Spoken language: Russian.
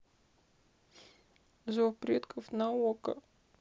зов предок на окко